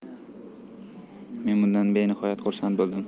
men bundan benihoyat xursand bo'ldim